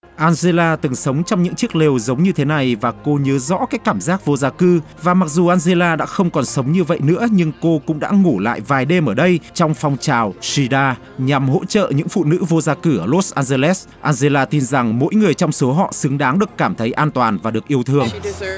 an giê la từng sống trong những chiếc lều giống như thế này và cô nhớ rõ cái cảm giác vô gia cư và mặc dù an giê la đã không còn sống như vậy nữa nhưng cô cũng đã ngủ lại vài đêm ở đây trong phong trào si đa nhằm hỗ trợ những phụ nữ vô gia cư ở lốt ăng giơ lét an giê la tin rằng mỗi người trong số họ xứng đáng được cảm thấy an toàn và được yêu thương